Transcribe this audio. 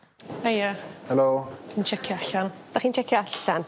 Heia. Helo. Dwi'n checio allan. 'Dach chi'n checio allan.